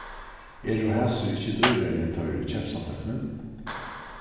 eru hasir ikki dýrari enn teir í keypssamtøkuni